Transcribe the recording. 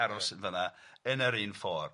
aros yn fan'na yn yr un ffor.